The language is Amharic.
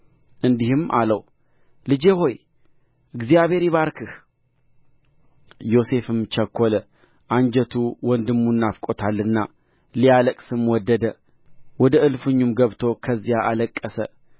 እንዲህም አለው ልጄ ሆይ እግዚአብሔር ይባርክህ ዮሴፍም ቸኮለ አንጀቱ ወንድሙን ናፍቆታልና ሊያለቅስም ወደደ ወደ እልፍኙም ገብቶ ከዚያ አለቀሰ